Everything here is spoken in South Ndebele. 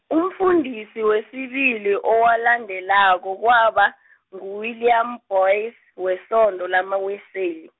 umfundisi wesibili owalandelako kwaba, ngu- William Boyce, wesondo lamaWeseli.